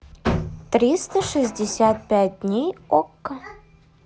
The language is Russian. триста шестьдесят пять дней okko